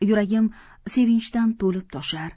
yuragim sevinchdan to'lib toshar